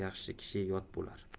yaxshi kishi yot bo'lar